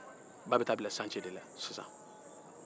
ba bɛ taa bila sabtiye de la sisan